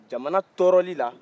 jamana tɔɔrɔli la